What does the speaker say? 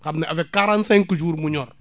xam ne avec quarante cinq jours mu ñor